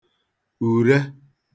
ùre